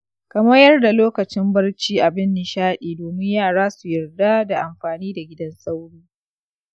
ka mayar da lokacin barci abin nishaɗi domin yara su yarda da amfani da gidan sauro.